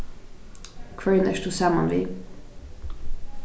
hvørjum ert tú saman við